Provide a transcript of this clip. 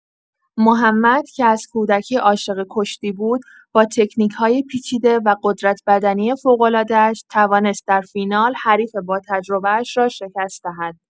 محمد که از کودکی عاشق کشتی بود، با تکنیک‌های پیچیده و قدرت‌بدنی فوق‌العاده‌اش، توانست در فینال حریف باتجربه‌اش را شکست دهد.